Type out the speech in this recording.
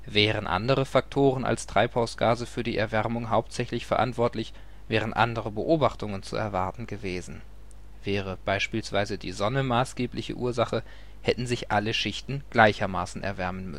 Wären andere Faktoren als Treibhausgase für die Erwärmung hauptsächlich verantwortlich, wären andere Beobachtungen zu erwarten gewesen. Wäre beispielsweise die Sonne maßgebliche Ursache, hätten sich alle Schichten gleichermaßen erwärmen